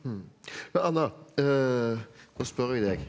men Anna da spør jeg deg.